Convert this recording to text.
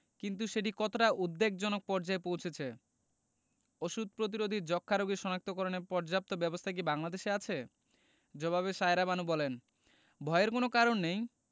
কিন্তু সেটি কতটা উদ্বেগজনক পর্যায়ে পৌঁছেছে ওষুধ প্রতিরোধী যক্ষ্মা রোগী শনাক্তকরণে পর্যাপ্ত ব্যবস্থা কি বাংলাদেশে আছে জবাবে সায়েরা বানু বলেন ভয়ের কোনো কারণ নেই